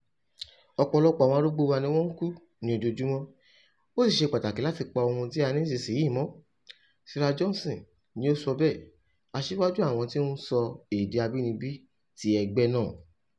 "Ọ̀pọ̀lọpọ̀ àwọn arúgbó wá ni wọ́n ń kú, ní ojoojúmọ́, ó sì ṣe pàtàkì láti pa ohun tí a ní nísinsìnyí mọ́," Sarah Johnson ni ó sọ bẹ́ẹ̀, asíwájú àwọn tí wọ́n ń sọ èdè abínibí ti Ẹgbẹ́ náà.